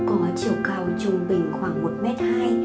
có chiều cao trung bình khoảng m